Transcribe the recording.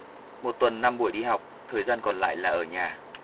một tuần năm buổi đi học thời gian còn lại là ở nhà